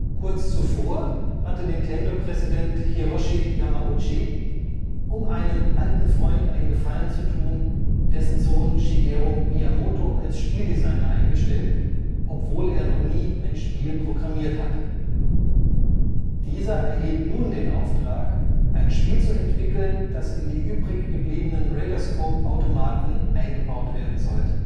Kurz zuvor hatte Nintendo-Präsident Hiroshi Yamauchi, um einem alten Freund einen Gefallen zu tun, dessen Sohn Shigeru Miyamoto als Spieldesigner eingestellt, obwohl er noch nie ein Spiel programmiert hatte. Dieser erhielt nun den Auftrag, ein Spiel zu entwickeln, das in die übrig gebliebenen Radarscope-Automaten eingebaut werden sollte